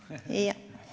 ja.